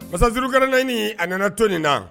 Masajuru kɛra naaniɲini a nana to nin na